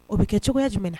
O bɛ kɛ cogoyaya jumɛn